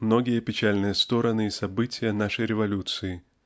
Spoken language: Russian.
-- многие печальные стороны и события нашей революции